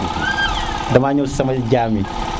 doma ñëw si sama jam yi